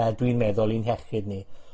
yy dwi'n meddwl i'n hiechyd ni.